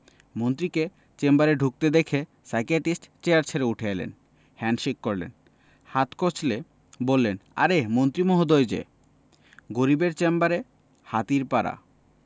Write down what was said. মন্ত্রীকে চেম্বারে ঢুকতে দেখে সাইকিয়াট্রিস্ট চেয়ার ছেড়ে উঠে এলেন হ্যান্ডশেক করলেন হাত কচলে বললেন আরে মন্ত্রী মহোদয় যে গরিবের চেম্বারে হাতির পাড়া